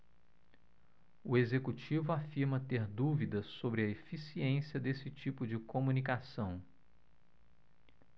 o executivo afirma ter dúvidas sobre a eficiência desse tipo de comunicação